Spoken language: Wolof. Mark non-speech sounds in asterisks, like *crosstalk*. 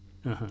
*hesitation* *hesitation*